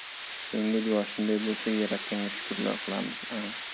so'nggi duo shunday bo'lsa yaratganga shukrlar qilamiz a